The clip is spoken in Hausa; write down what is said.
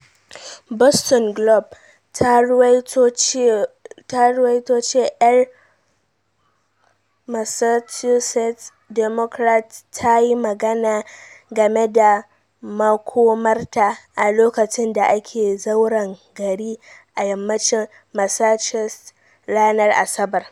Boston Globe ta ruwaito ce ‘yar Massachusetts Democrat tayi magana game da makomarta a lokacin da ake zauren gari a yammacin Massachusetts ranar Asabar.